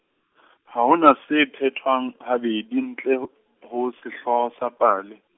ha ho na se phetwang habedi, ntle h-, ho sehlooho sa pale.